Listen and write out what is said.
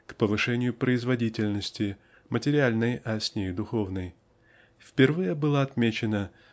к повышению производительности (материальной а с ней и духовной) впервые было отмечено